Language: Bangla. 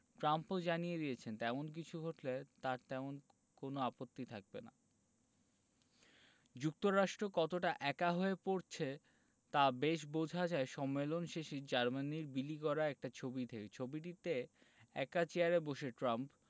ট্রাম্পও জানিয়ে দিয়েছেন তেমন কিছু ঘটলে তাঁর তেমন কোনো আপত্তি থাকবে না যুক্তরাষ্ট্র কতটা একা হয়ে পড়ছে তা বেশ বোঝা যায় সম্মেলন শেষে জার্মানির বিলি করা একটা ছবি থেকে ছবিটিতে একা চেয়ারে বসে ট্রাম্প